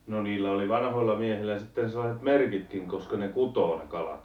no niillä oli vanhoilla miehillä sitten sellaiset merkitkin koska ne kutee ne kalat